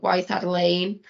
waith ar-lein